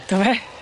Do fe?